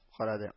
Карады